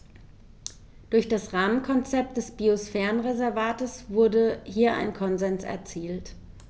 Durch das Rahmenkonzept des Biosphärenreservates wurde hier ein Konsens erzielt.